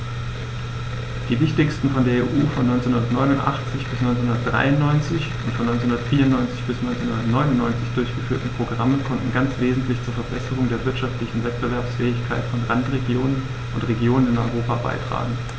Die wichtigsten von der EU von 1989 bis 1993 und von 1994 bis 1999 durchgeführten Programme konnten ganz wesentlich zur Verbesserung der wirtschaftlichen Wettbewerbsfähigkeit von Randregionen und Regionen in Europa beitragen.